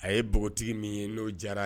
A ye npogotigi min ye n'o diyara